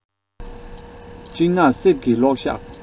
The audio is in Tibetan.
སྤྲིན ནག གསེབ ཀྱི གློག ཞགས